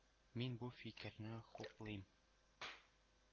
Мин бу фикерне хуплыйм.